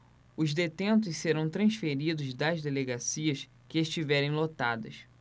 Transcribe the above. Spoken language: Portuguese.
os detentos serão transferidos das delegacias que estiverem lotadas